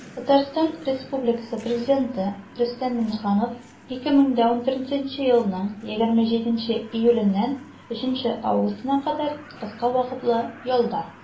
Татарстан Республикасы Президенты Рөстәм Миңнеханов 2014 елның 27 июленнән 3 августына кадәр кыска вакытлы ялда.